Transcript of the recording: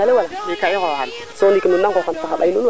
merci beaucoup gon le fo simangol le